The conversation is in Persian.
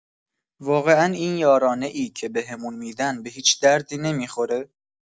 واقعا این یارانه‌ای که بهمون می‌دن به هیچ دردی نمی‌خوره!